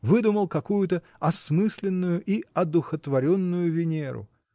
Выдумал какую-то “осмысленную и одухотворенную Венеру”!